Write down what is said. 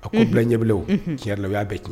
Unhun, a ko bɛɛ ɲɛ b'i la wo, tiɲɛ yɛrɛ la o y'a bɛ tiɲɛ.